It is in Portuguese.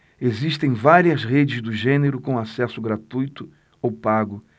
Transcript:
existem várias redes do gênero com acesso gratuito ou pago